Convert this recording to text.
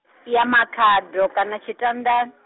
ya Makhado kana Tshitandani.